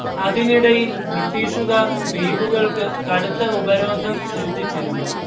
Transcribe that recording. അതിനിടയിൽ ബ്രിട്ടീഷുകാർ ദ്വീപുകൾക്ക് കടുത്ത ഉപരോധം സൃഷ്ടിച്ചിരുന്നു